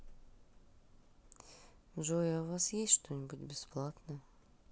джой а у вас есть что нибудь бесплатное